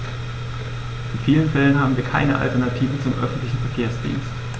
In vielen Fällen haben wir keine Alternative zum öffentlichen Verkehrsdienst.